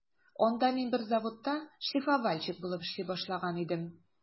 Анда мин бер заводта шлифовальщик булып эшли башлаган идем.